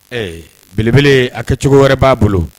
Ee belebele a kɛ cogo wɛrɛ b'a bolo